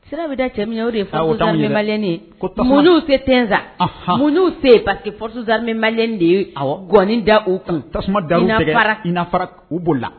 Sira bɛ da cɛ o denen se tzsa minnuu sen pa que porosidm de ye gɔni da o kan tasuma baara in fara u bolo la